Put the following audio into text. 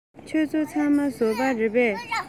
ཁྱེད ཚོ ཚང མ བཟོ པ རེད པས